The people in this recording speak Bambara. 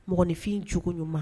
Mɔgɔninfin cogo ɲuman